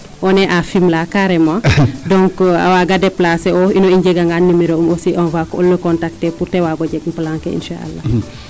On eet a Fimela carrement donc a waaga déplacer oox ino i njeganga numero um aussi on va le contacter pour ta waag o jeg no plan ke insala.